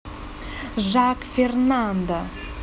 жак фернандо